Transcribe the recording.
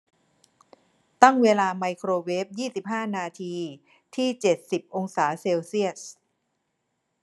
ตั้งเวลาไมโครเวฟยี่สิบห้านาทีที่เจ็ดสิบองศาเซลเซียส